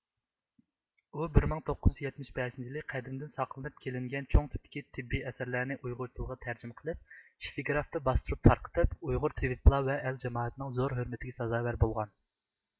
ئۇ بىر مىڭ توققۇز يۈز يەتمىش بەشىنچى يىلى قەدىمدىن ساقلىنىپ كېلىنگەن چوڭ تىپتىكى تىببىي ئەسەرلەرنى ئۇيغۇر تىلىغا تەرجىمە قىلىپ شىفىگرافتا باستۇرۇپ تارقىتىپ ئۇيغۇر تېۋىپلار ۋە ئەل جامائەتنىڭ زور ھۆرمىتىگە سازاۋەر بولغان